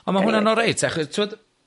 Ond ma' hwna'n oreit achod t'wod